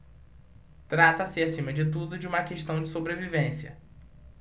trata-se acima de tudo de uma questão de sobrevivência